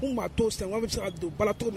Ko maa' t to san an bɛ sɔrɔ ka don bala to na